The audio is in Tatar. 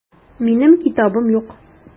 Минем китабым юк.